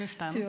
mursteinen.